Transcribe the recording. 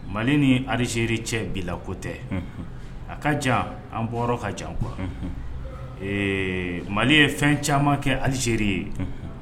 Mali ni Aligérie cɛ bila ko tɛ unhun a ka jan an bɔyɔrɔ ka jan quoi ee Mali ye fɛn caman kɛ Aligérie ye unhun